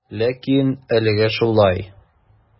Ләкин әлегә шулай.